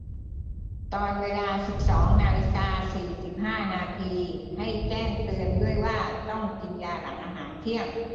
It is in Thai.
ตอนเวลาสิบสองนาฬิกาสี่สิบห้านาทีให้แจ้งเตือนด้วยว่าต้องกินยาหลังอาหารเที่ยง